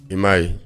I m'a ye